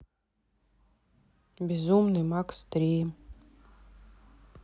безумный макс три